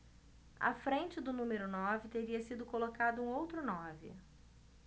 à frente do número nove teria sido colocado um outro nove